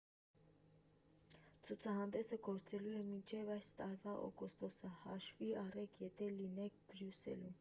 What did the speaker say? Ցուցահանդեսը գործելու է մինչև այս տարվա օգոստոսը՝ հաշվի առեք, եթե լինեք Բրյուսելում։